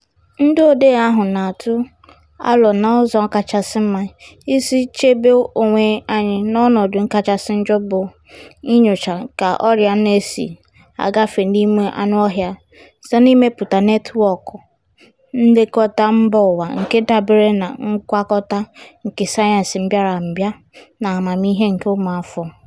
"Ndị odee ahụ na-atụ alo na ụzọ kachasị mma isi chebe onwe anyị n'ọnọdụ kachasị njọ bụ inyocha ka ọrịa na-esi agafe n'ime anụọhịa site n'imepụta netwọk nlekọta mbaụwa nke dabeere na ngwakọta nke sayensị Mbịarambịa na amamihe nke ụmụafọ."